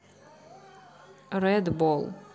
ред бол